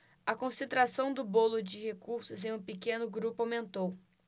a concentração do bolo de recursos em um pequeno grupo aumentou